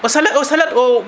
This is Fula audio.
o salat o salat o